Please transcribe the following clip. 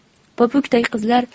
popukday qizlar